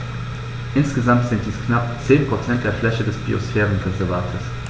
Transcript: Insgesamt sind dies knapp 10 % der Fläche des Biosphärenreservates.